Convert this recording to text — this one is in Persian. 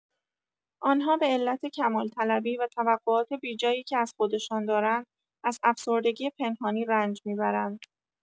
آنها به‌علت کمال‌طلبی و توقعات بیجایی که از خودشان دارند، از افسردگی پنهانی رنج می‌برند.